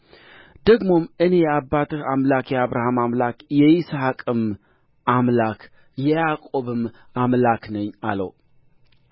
ደግሞም እኔ የአባትህ አምላክ የአብርሃም አምላክ የይስሐቅም አምላክ የያዕቆብም አምላክ ነኝ አለው